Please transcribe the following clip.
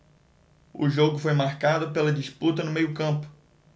o jogo foi marcado pela disputa no meio campo